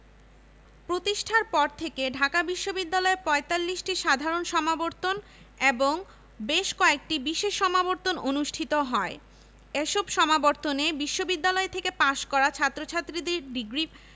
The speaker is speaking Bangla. প্রতিষ্ঠার পর থেকে ঢাকা বিশ্ববিদ্যালয়ে ৪৫টি সাধারণ সমাবর্তন এবং বেশ কয়েকটি বিশেষ সমাবর্তন অনুষ্ঠিত হয় এসব সমাবর্তনে বিশ্ববিদ্যালয় থেকে পাশ করা ছাত্রছাত্রীদের ডিগ্রি